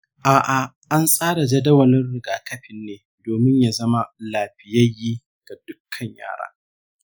a'a, an tsara jadawalin rigakafin ne domin ya zama lafiyayye ga dukkan yara.